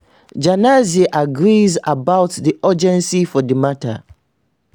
Ganase agrees about the urgency of the matter.